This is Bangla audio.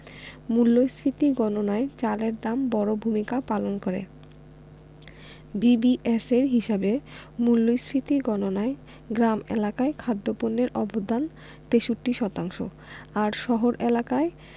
মূল্যস্ফীতি গণনায় চালের দাম বড় ভূমিকা পালন করে বিবিএসের হিসাবে মূল্যস্ফীতি গণনায় গ্রাম এলাকায় খাদ্যপণ্যের অবদান ৬৩ শতাংশ আর শহর এলাকায়